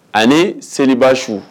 Ani seba su